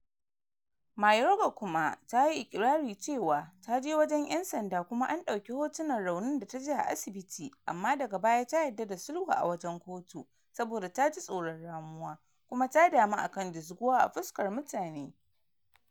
Mayorga kuma tayi ikirari cewa ta je wajen ‘yan sanda kuma an ɗauki hotunan raunin da ta ji a asibit, amma daga baya ta yadda da sulhu a wajen kotu saboda ta ji “tsoron ramuwa” kuma ta damu akan “dizguwa a fuskar mutane.”